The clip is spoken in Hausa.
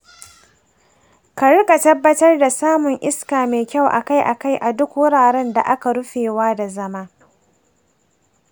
ka riƙa tabbatar da samun iska mai kyau akai-akai a duk wuraren da aka rufewa da zama.